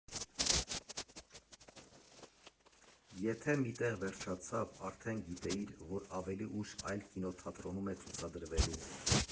Եթե մի տեղ վերջացավ, արդեն գիտեիր, որ ավելի ուշ այլ կինոթատրոնում է ցուցադրվելու։